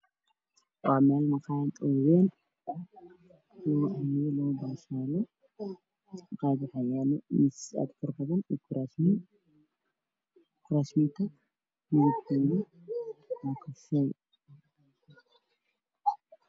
Waa maqaayad waxaa yaalo kurasman in isaas kuraasmo ka dharkooda waa kafee miisaska waa caddaan dhulka waa caddaan darbigu waa caddaan